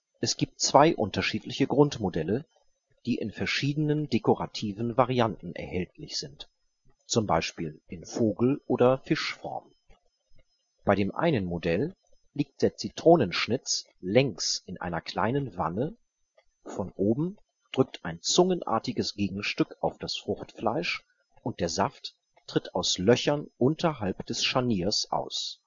Es gibt zwei unterschiedliche Grundmodelle, die in verschiedenen dekorativen Varianten erhältlich sind, zum Beispiel in Vogel - oder Fischform. Bei dem einem Modell liegt der Zitronenschnitz längs in einer kleinen Wanne, von oben drückt ein zungenartiges Gegenstück auf das Fruchtfleisch und der Saft tritt aus Löchern unterhalb des Scharniers aus